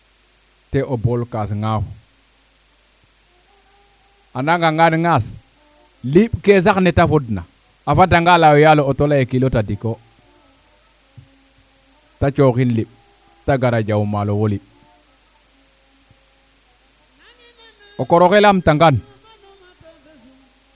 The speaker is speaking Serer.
te o bool kaaf ngaaxu a nanga ngaan ngaas liiɓ ke sax nete fodda te o bool kaaf ngaasu a nanga ngaan ngaas liiɓ ke sax nata fodna a fada nga leye yaalo auto leye kilo tadiko to cooxin liɓ te gara jaw maalo fo liɓ o koroxe laam ta ngaan